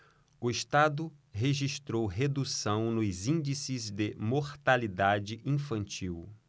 o estado registrou redução nos índices de mortalidade infantil